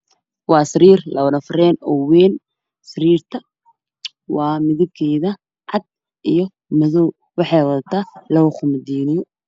waa sariir labo nafar ah oo weyn sariirta midibkeeda waa cad iyo madow waxey wadataa labo kumadiinyo